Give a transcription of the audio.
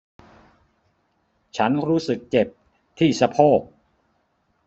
ฉันรู้สึกเจ็บที่สะโพก